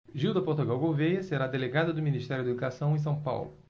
gilda portugal gouvêa será delegada do ministério da educação em são paulo